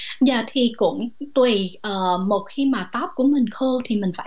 dạ thì cũng tùy ờ một khi mà tóc của mình khô thì mình phải